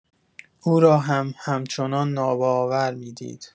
او را هم همچنان ناباور می‌دید.